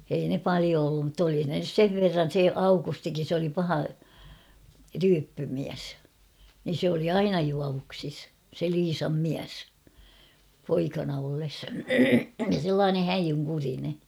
ei ne paljon ollut mutta oli ne nyt sen verran se Aukustikin se oli paha ryyppymies niin se oli aina juovuksissa se Liisan mies poikana ollessa ja sellainen häijynkurinen